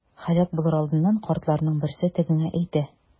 Һәлак булыр алдыннан картларның берсе тегеңә әйтә.